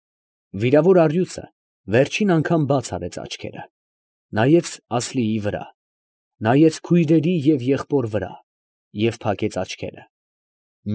Վիրավոր առյուծը վերջին անգամ բաց արեց աչքերը, նայեց Ասլիի վրա, նայեց քույրերի և եղբոր վրա, և փակեց աչքերը…։